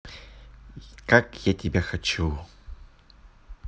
как я тебя хочу